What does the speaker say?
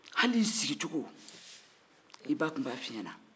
hali i sigicogo i ba tun f'i ɲɛna